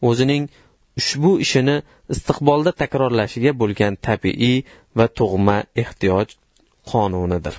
o'zining ushbu ishini istiqbolda takrorlashiga bo'lgan tabiiy va tug'ma ehtiyoj qonunidir